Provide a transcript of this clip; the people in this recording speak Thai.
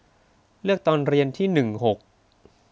เลือกตอนเรียนที่หนึ่งหก